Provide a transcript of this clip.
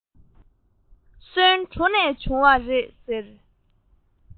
སོན གྲོ ནས བྱུང བ རེད ཟེར